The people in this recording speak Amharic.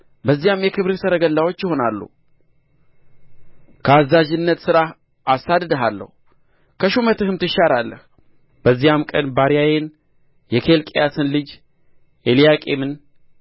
በዚያም የክብርህ ሰረገላዎች ይሆናሉ ከአዛዥነት ሥራህ አሳድድሃለሁ ከሹመትህም ትሻራለህ በዚያም ቀን ባሪያዬን የኬልቅያስን ልጅ ኤልያቄምን